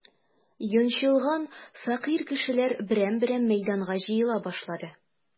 Йончылган, фәкыйрь кешеләр берәм-берәм мәйданга җыела башлады.